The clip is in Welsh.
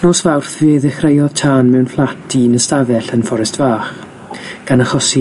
Nos Fawrth, fe ddechreuodd tân mewn fflat un ystafell yn Fforestfach, gan achosi